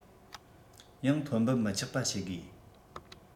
ཡང ཐོན འབབ མི ཆག པ བྱེད དགོས